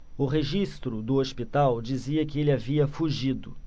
o registro do hospital dizia que ele havia fugido